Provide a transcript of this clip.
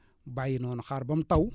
bàyyi noonu xaar ba mu taw